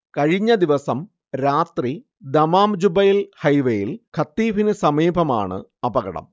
കഴിഞ്ഞദിവസം രാത്രി ദമാംജുബൈൽ ഹൈവേയിൽ ഖതീഫിന് സമീപമാണ് അപകടം